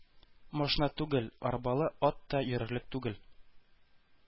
Машина түгел, арбалы ат та йөрерлек түгел.